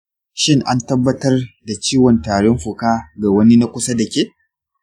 shin an tabbatar da ciwon tarin fuka ga wani na kusa dake?